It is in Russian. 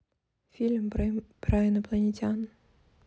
фильм про инопланетян